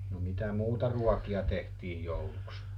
no mitä muuta ruokia tehtiin jouluksi